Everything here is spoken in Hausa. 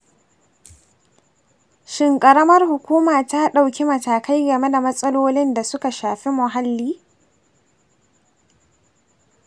shin ƙaramar hukumar ta ɗauki matakai game da matsalolin da suka shafi muhalli?